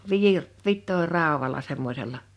- vitoinraudalla semmoisella